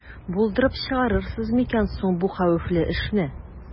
Булдырып чыгарсыз микән соң бу хәвефле эшне?